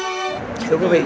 quý vị